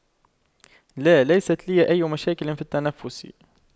لا ليست لي أي مشاكل في التنفس